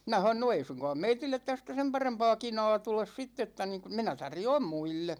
minä sanoin no ei suinkaan meille tästä sen parempaa kinaa tule sitten että niin kuin minä tarjoan muille